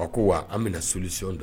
A ko wa an bɛna solision don